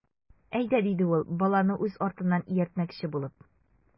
Әйдә,— диде ул, баланы үз артыннан ияртмөкче булып.